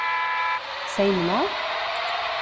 seyminál